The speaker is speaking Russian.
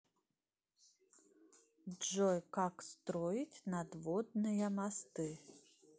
джой как строить надводные мосты